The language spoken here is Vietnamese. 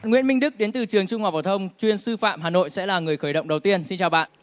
nguyễn minh đức đến từ trường trung học phổ thông chuyên sư phạm hà nội sẽ là người khởi động đầu tiên xin chào bạn